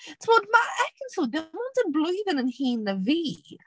Timod, ma' Ekin Su ddim ond yn blwyddyn yn hŷn na fi.